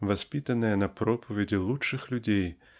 воспитанная на проповеди лучших людей